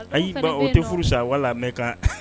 A y'i ban o tɛ furu san wala mɛn kan